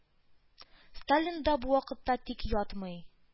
Сталин да бу вакытта тик ятмый,